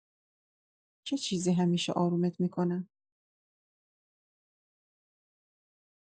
چه چیزی همیشه آرومت می‌کنه؟